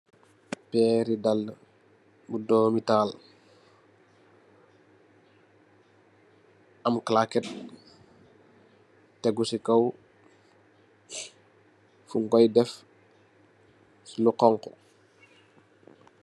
Pero dala bu domi tahal am claket tego si kaw fin koi deff li konko.